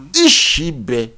I si bɛn